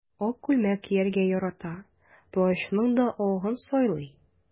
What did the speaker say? Ак күлмәк кияргә ярата, плащның да агын сайлый.